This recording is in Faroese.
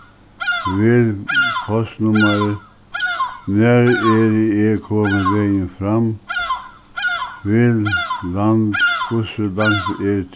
vel postnummarið nær eri eg komin vegin fram vel land hvussu langt er